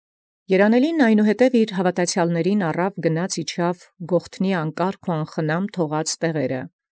Կորյուն Առեալ այնուհետև երանելւոյն զհաւատացեալս իւր, դիմեալ իջանէր յանկարգ և յանդարման տեղիս Գողթան։